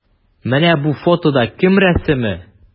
Менә бу фотода кем рәсеме?